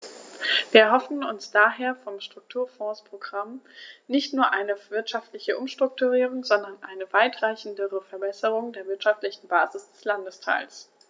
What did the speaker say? Wir erhoffen uns daher vom Strukturfondsprogramm nicht nur eine wirtschaftliche Umstrukturierung, sondern eine weitreichendere Verbesserung der wirtschaftlichen Basis des Landesteils.